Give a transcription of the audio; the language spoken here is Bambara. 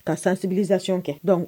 Ka sansibi zsion kɛ dɔn